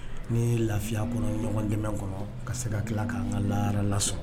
Ni lafiya kɔnɔ ɲɔgɔn dɛmɛ kɔnɔ ka se ka tila k'an ka lara lasɔn